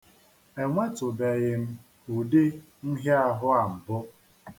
Enwetụbeghị m udi nhịaahụ a mbụ.